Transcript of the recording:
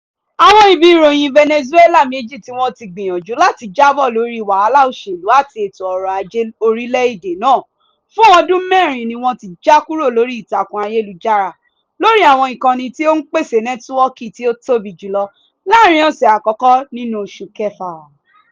Àwọn ibi ìròyìn Venezuela méjì tí wọ́n ti gbìyànjú láti jábọ̀ lórí wàhálà òṣèlú àti ètò ọ̀rọ̀ ajé orílẹ̀ èdè náà fún ọdún mẹ́rin ni wọ́n ti já kúrò lórí ìtàkùn ayélujára lórí àwọn ìkànnì tí ó ń pèsè nẹ́tíwọ́ọ̀kì tí ó tóbi jùlọ láàárín ọ̀sẹ̀ àkọ́kọ́ nínú oṣù kẹfà.